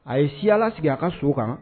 A ye siya sigi a ka so kan